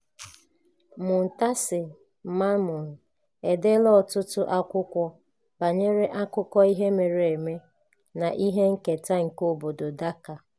Muntasir Mamun edeela ọtụtụ akwụkwọ banyere akụkọ ihe mere eme na ihe nketa nke obodo Dhaka.